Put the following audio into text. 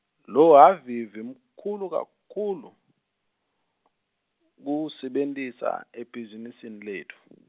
lohhavivi mkhulu kakhulu kuwusebentisa ebhizinisini letfu.